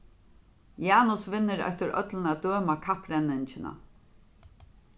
janus vinnur eftir øllum at døma kapprenningina